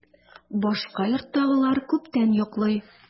Башка йорттагылар күптән йоклый.